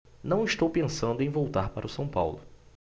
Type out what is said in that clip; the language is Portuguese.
não estou pensando em voltar para o são paulo